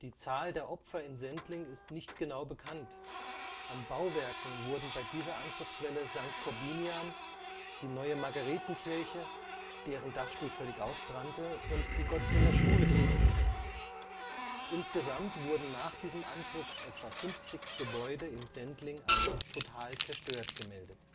Zahl der Opfer in Sendling ist nicht genau bekannt, an Bauwerken wurden bei dieser Angriffswelle St. Korbinian, die neue Margaretenkirche, deren Dachstuhl völlig ausbrannte, und die Gotzinger Schule getroffen; insgesamt wurden nach diesem Angriff etwa 50 Gebäude in Sendling als total zerstört gemeldet